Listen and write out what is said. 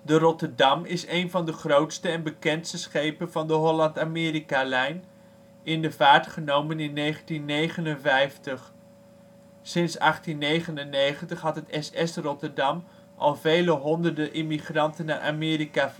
Rotterdam is een van de grootste en bekendste schepen van de Holland-Amerika Lijn, in de vaart genomen in 1959. Sinds 1899 had het S.S. Rotterdam al vele honderden immigranten naar Amerika